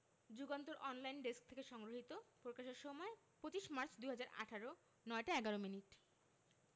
Jugantor online desk হতে সংগৃহীত প্রকাশের সময় ২৫ মার্চ ২০১৮ ০৯ টা ১১ মিনিট